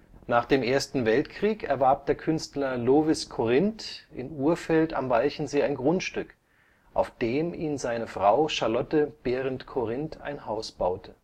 Nach dem Ersten Weltkrieg erwarb der Künstler Lovis Corinth in Urfeld am Walchensee ein Grundstück, auf dem ihm seine Frau Charlotte Berend-Corinth ein Haus baute